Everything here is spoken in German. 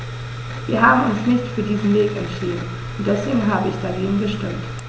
Wir haben uns nicht für diesen Weg entschieden, und deswegen habe ich dagegen gestimmt.